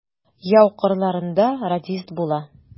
Яу кырларында радист була.